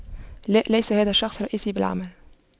لا ليس هذا الشخص رئيسي بالعمل